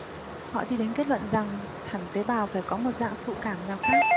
họ đi đến kết luận rằng hẳn tế bào phải có một dạng thụ cảm nào khác